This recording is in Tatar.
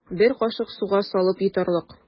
Бер кашык суга салып йотарлык.